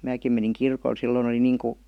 minäkin menin kirkolle silloin oli niin kuin